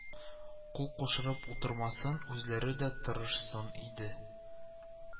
Кул кушырып утырмасын, үзләре дә тырышсын иде